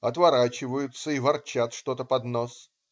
Отворачиваются и ворчат что-то под нос.